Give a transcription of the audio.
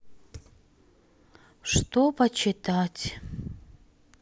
что почитать